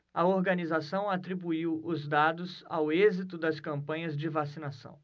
a organização atribuiu os dados ao êxito das campanhas de vacinação